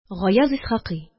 Гаяз Исхакый